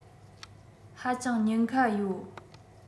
ཧ ཅང ཉེན ཁ ཡོད